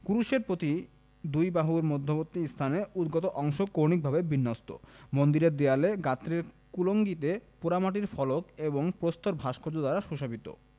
ক্রুশের প্রতি দুই বাহুর মধ্যবর্তী স্থানে উদ্গত অংশ কৌণিকভাবে বিন্যস্ত মন্দিরের দেয়ালে গাত্রের কুলুঙ্গিতে পোড়ামাটির ফলক এবং প্রস্তর ভাস্কর্য দ্বারা সুশোভিত